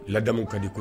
Ladamuw ka di ko